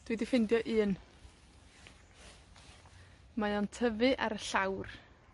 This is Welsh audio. Dw 'di ffindio un. Mae o'n tyfu ar y llawr.